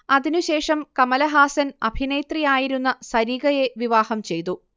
അതിനുശേഷം കമലഹാസൻ അഭിനേത്രി ആയിരുന്ന സരികയെ വിവാഹം ചെയ്തു